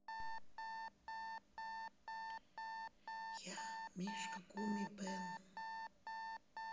я мишка гумми бен